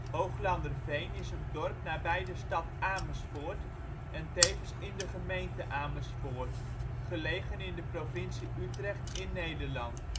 Hooglanderveen is een dorp nabij de stad Amersfoort en tevens in de gemeente Amersfoort, gelegen in de provincie Utrecht in Nederland